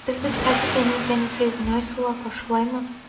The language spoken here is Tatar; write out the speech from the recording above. Без бит хәзер әни белән икәү генә, Айсылу апа, шулаймы?